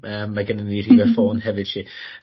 Yy mae gennon ni rhife ffôn hefyd 'lly.